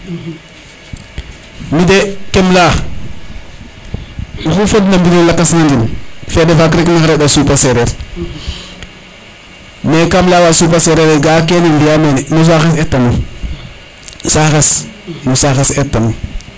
mi de kem leya oxu fod na mbiño lakay nanin fede fak rek maxey re supa sereer mais kam leya wa supa sereer e ga' a kene fiya mene no saxes eta num saxes no saxes etanum